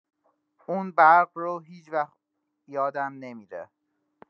اون برق رو هیچ‌وقت یادم نمی‌ره.